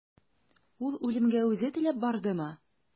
Ул үлемгә үзе теләп бардымы?